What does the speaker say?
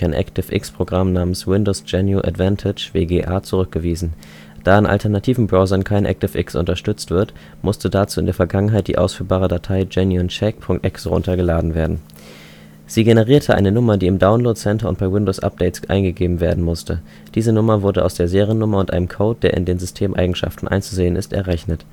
ActiveX-Programm namens Windows Genuine Advantage (WGA) zurückgewiesen. Da in alternativen Browsern kein ActiveX unterstützt wird, musste dazu in der Vergangenheit die ausführbare Datei GenuineCheck.exe herunterladen werden. Sie generierte eine Nummer, die im Download Center und bei Windows Updates eingegeben werden musste. Diese Nummer wurde aus der Seriennummer und einem Code, der in den Systemeigenschaften einzusehen ist, errechnet